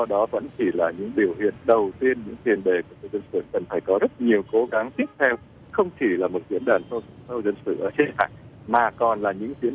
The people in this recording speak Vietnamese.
đó vẫn chỉ là những biểu hiện đầu tiên những tiên đề của tôn dân sự cần phải có rất nhiều cố gắng tiếp theo không chỉ là một diễn đàn thôi tôn dân sự ở trên mạng mà còn là những diễn